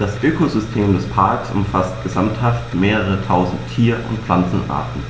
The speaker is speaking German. Das Ökosystem des Parks umfasst gesamthaft mehrere tausend Tier- und Pflanzenarten,